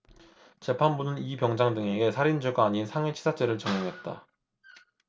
재판부는 이 병장 등에게 살인죄가 아닌 상해치사죄를 적용했다